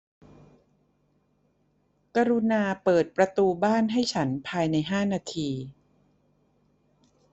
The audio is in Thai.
กรุณาเปิดประตูบ้านให้ฉันภายในห้านาที